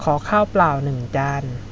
ขอข้าวเปล่าหนึ่งจาน